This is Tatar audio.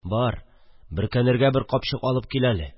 – бар, бөркәнергә бер капчык алып кил әле